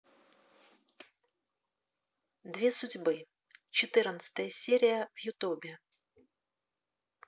две судьбы четырнадцатая серия в ютубе